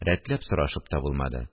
Рәтләп сорашып та булмады